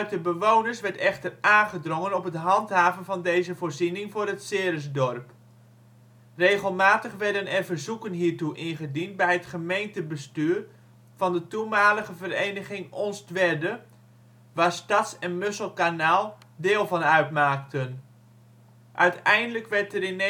de bewoners werd echter aangedrongen op het handhaven van deze voorziening voor het Ceresdorp. Regelmatig werden er verzoeken hiertoe ingediend bij het gemeentebestuur van de toenmalige gemeente Onstwedde, waar Stads - en Musselkanaal deel van uitmaakten. Uiteindelijk werd er in